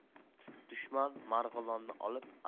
dushman marg'ilonni olib